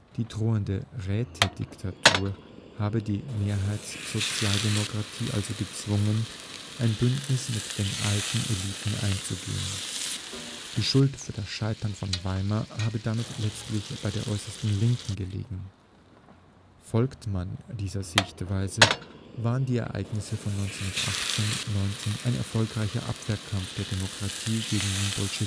Die drohende „ Rätediktatur “habe die Mehrheitssozialdemokratie also gezwungen, ein Bündnis mit den alten Eliten einzugehen. Die Schuld für das Scheitern von Weimar habe damit letztlich bei der äußersten Linken gelegen. Folgt man dieser Sichtweise, waren die Ereignisse von 1918 / 19 ein erfolgreicher Abwehrkampf der Demokratie gegen den Bolschewismus